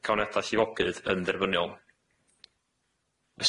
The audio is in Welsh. cawnydiada llifogydd yn dderfyniol.